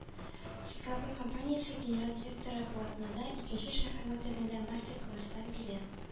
Сингапур компаниясе генераль директоры бу атнада икенче шәһәр мәктәбендә мастер-класслар бирә.